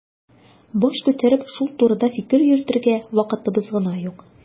Баш күтәреп шул турыда фикер йөртергә вакытыбыз гына юк.